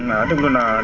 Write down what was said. waaw déglu naa